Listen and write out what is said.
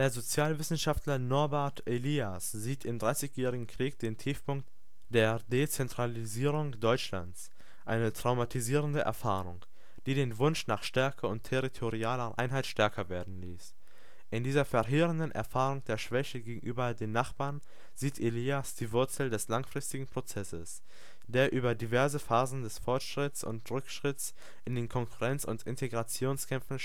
Sozialwissenschaftler Norbert Elias sieht im Dreißigjährigen Krieg den Tiefpunkt der Dezentralisierung Deutschlands, eine traumatisierende Erfahrung, die den Wunsch nach Stärke und territorialer Einheit stärker werden ließ. In dieser verheerenden Erfahrung der Schwäche gegenüber den Nachbarn sieht Elias die Wurzel des langfristigen Prozesses, der über diverse Phasen des Fortschritts und Rückschritts in den Konkurrenz - und Integrationskämpfen